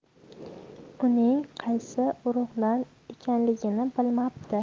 uning qaysi urug'dan ekanligini bilmabdi